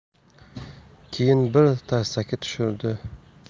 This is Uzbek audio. keyin bir tarsaki tushirdi